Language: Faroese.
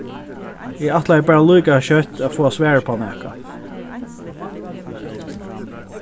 eg ætlaði bara líka skjótt at fáa svar upp á nakað